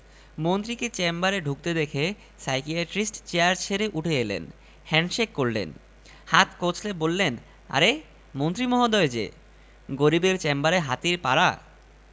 মন্ত্রীকে চেম্বারে ঢুকতে দেখে সাইকিয়াট্রিস্ট চেয়ার ছেড়ে উঠে এলেন হ্যান্ডশেক করলেন হাত কচলে বললেন আরে মন্ত্রী মহোদয় যে গরিবের চেম্বারে হাতির পাড়া